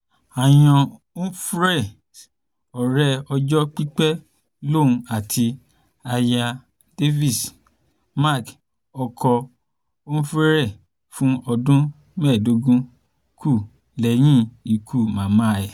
Aya Humphreys, ọ̀rẹ́ ọjọ́ pípẹ́ lòun àti Aya Davies. Mark, ọkọ Humphreys fún ọdún 15, kú lẹ́yìn ikú màmá ẹ̀.